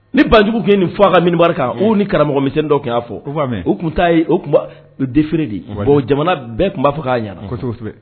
Ni banjugu kɛ ni fɔ ka minibari kan ni karamɔgɔmisendɔ kɛ'a fɔ u tun taa yen o tun defi de bon jamana bɛɛ tun b'a fɔ k'a